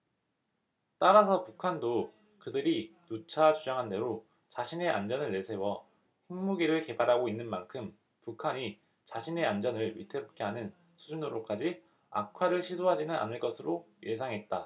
따라서 북한도 그들이 누차 주장한대로 자신의 안전을 내세워 핵무기를 개발하고 있는 만큼 북한이 자신의 안전을 위태롭게 하는 수준으로까지 악화를 시도하지는 않을 것으로 예상했다